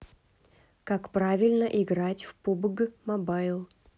как правильно играть в пубг мобайл